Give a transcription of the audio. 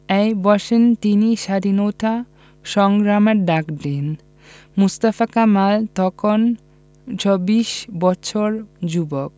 ওই ভাষণে তিনি স্বাধীনতা সংগ্রামের ডাক দেন মোস্তফা কামাল তখন চব্বিশ বছরের যুবক